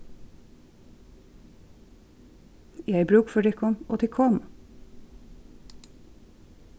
eg hevði brúk fyri tykkum og tit komu